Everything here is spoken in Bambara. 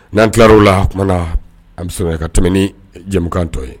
N'an tilar la tumaumana na an bɛ ka tɛmɛ ni jamukantɔ ye